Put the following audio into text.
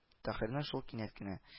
Таһирның шул кинәт кенә